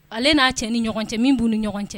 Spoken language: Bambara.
Ale na cɛ ni ɲɔgɔn cɛ min bu ni ɲɔgɔn cɛ.